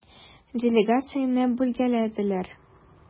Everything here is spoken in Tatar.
Делегацияне бүлгәләделәр.